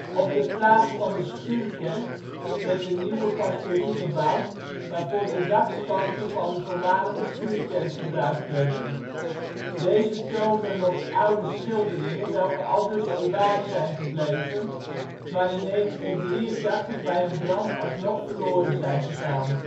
Op de plaats van de schuurkerk werd de nieuwe pastorie gebouwd, waarvoor de dakspanten van de voormalige schuurkerk gebruikt werden. Deze toonden nog oude schilderingen welke aldus bewaard zijn gebleven maar in 1983 bij een brand alsnog verloren zijn gegaan